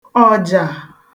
ọ̀jà